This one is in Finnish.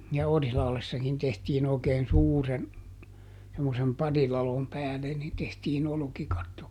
ja Orilahdessakin tehtiin oikein suuren semmoisen pariladon päälle niin tehtiin olkikatto